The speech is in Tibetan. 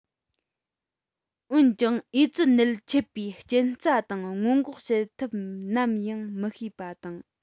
འོན ཀྱང ཨེ ཙི ནད མཆེད པའི རྐྱེན རྩ དང སྔོན འགོག བྱེད ཐབས ནམ ཡང མི ཤེས པ དང